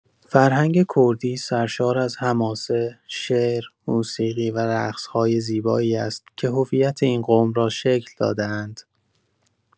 فرهنگ کردی سرشار از حماسه، شعر، موسیقی و رقص‌های زیبایی است که هویت این قوم را شکل داده‌اند.